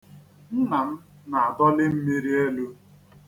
Nna m na-adọli mmiri elu.